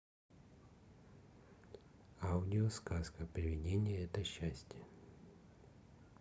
аудио сказка приведение это счастье